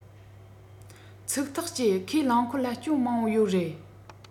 ཚིག ཐག བཅད ཁོས རླངས འཁོར ལ སྐྱོན མང པོ ཡོད རེད